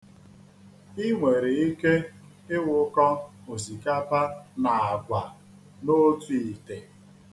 I nwere ike ịwụkọ osikapa na àgwà n'otu ite.